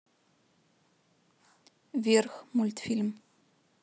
вверх мультфильм